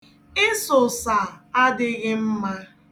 Ịsa ụsa adịghị mma